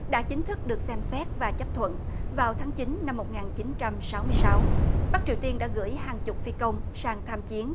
đã chính thức được xem xét và chấp thuận vào tháng chín năm một ngàn chín trăm sáu mươi sáu bắc triều tiên đã gửi hàng chục phi công sang tham chiến